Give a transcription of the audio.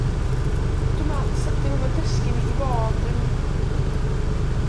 A dwi me'wl sa... 'Dyn nw'm yn dysgu ni i fod yn...